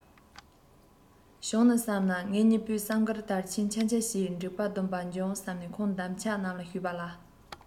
བྱུང ན བསམས ནས ངེད གཉིས པོས བསམ དཀར དར ཆེན འཕྱར འཕྱར བྱས འགྲིག པ སྡུམ པ འབྱུང བསམ ནས ཁོང འདབ ཆགས རྣམས ལ ཞུས པ ལ